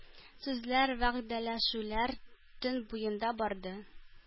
Сүзләр, вәгъдәләшүләр төн буена барды.